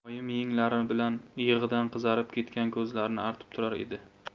oyim yenglari bilan yig'idan qizarib ketgan ko'zlarini artib turar edi